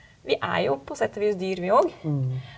vi er jo på sett og vis dyr vi òg.